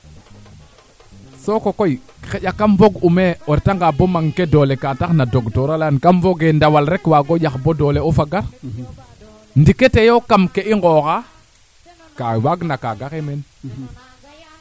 a maya a maya a refa nga nene ñaawa ke ande a ñaaw o gis ka nga den foko liila den